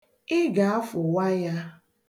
Ị ga-afụwa ya .